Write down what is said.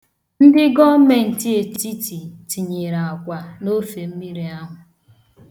Ndị gọọmentị etiti tinyere akwa n'ofemmiri ahụ.